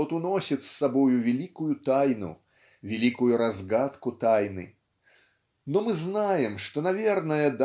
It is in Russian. тот уносит с собою великую тайну великую разгадку тайны. Но мы знаем что наверное